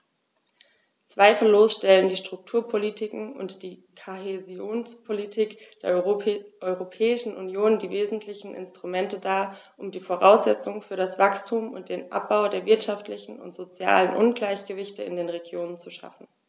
Zweifellos stellen die Strukturpolitiken und die Kohäsionspolitik der Europäischen Union die wesentlichen Instrumente dar, um die Voraussetzungen für das Wachstum und den Abbau der wirtschaftlichen und sozialen Ungleichgewichte in den Regionen zu schaffen.